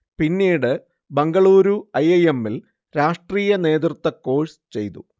പിന്നീട് Bengaluru I. I. എമ്മിൽ രാഷ്ട്രീയ നേതൃത്വ കോഴ്സ് ചെയ്തു